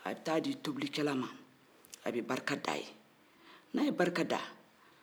a bɛ taa di tobilikɛla man a bɛ barika da n'a ye barika da